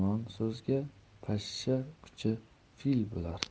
yomon so'zga pashsha kuchi fil bo'lar